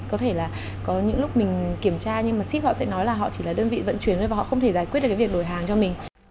có thể là có những lúc mình kiểm tra nhưng mà síp họ sẽ nói là họ chỉ là đơn vị vận chuyển người và họ không thể giải quyết được việc đổi hàng cho mình